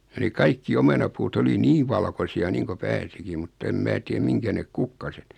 ja ne kaikki omenapuut oli niin valkoisia niin kuin pääsikin mutta en minä tiedä mihinkä ne kukkaset